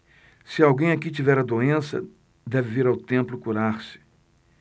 se alguém aqui tiver a doença deve vir ao templo curar-se